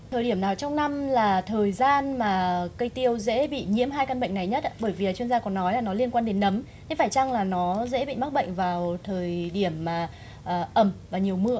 thời điểm nào trong năm là thời gian mà cây tiêu dễ bị nhiễm hai căn bệnh này nhất ạ bởi việc chuyên gia còn nói là nó liên quan đến nấm nhưng phải chăng là nó dễ bị mắc bệnh vào thời điểm mà ờ ẩm và nhiều mưa ạ